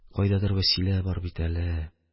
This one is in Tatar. Кайдадыр вәсилә бар бит әле.